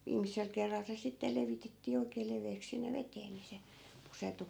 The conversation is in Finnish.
viimeisellä kerralla se sitten levitettiin oikein leveäksi sinne veteen niin se pusertui